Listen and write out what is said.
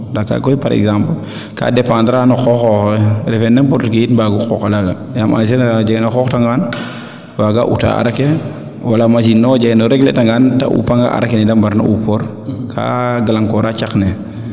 nda kaaga koy par exemple ka dependre a no qoxoxe refe n' importe qui mbaagu a qooqa laaga yaam en generale a jega na xoox ta ngaan waaga uta arake wala machine ne wo a jega ne regler ta ngaan te upa nga arake neete mbarna uupor kaa ngalang koora ceq ne